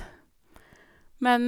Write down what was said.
Men...